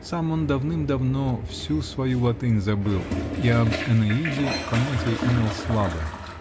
Сам он давным-давно всю свою латынь забыл и об "Энеиде" понятие имел слабое.